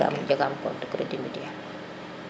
i jegam compte credit mutuel